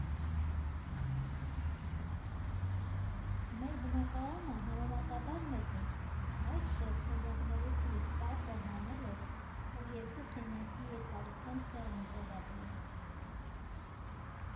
Մեր բնակարանը համեմատաբար մեծ էր, հայրս էլ սենյակներից մի պատը հանել էր ու երկու սենյակի երկարությամբ սեղան տեղադրել։